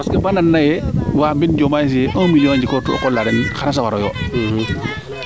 parce que baa nan na yee waa mbin Diomaye sin un million njikoor tu qol la den xana sawar oyo